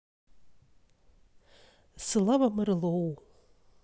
слава мэрлоу